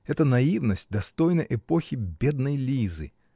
Эта наивность достойна эпохи “Бедной Лизы”.